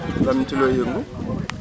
Lamine ci looy yëngu